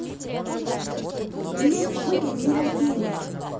у меня сегодня день рождения